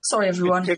Sorry everyone.